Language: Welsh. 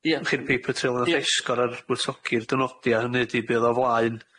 Ia... w'ch chi'r paper trail nath... Ia.... esgor ar gwtogi'r dynodia, hynny ydi be' o'dd o flaen